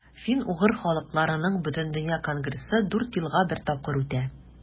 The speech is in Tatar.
Фин-угыр халыкларының Бөтендөнья конгрессы дүрт елга бер тапкыр үтә.